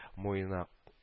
Муенына